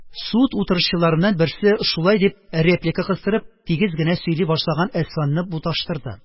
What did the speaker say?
Суд утырышчыларыннан берсе, шулай дип реплика кыстырып, тигез генә сөйли башлаган Әсфанны буташтырды